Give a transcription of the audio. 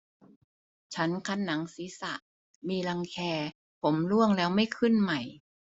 ฉันคันหนังศีรษะมีรังแคผมร่วงแล้วไม่ขึ้นใหม่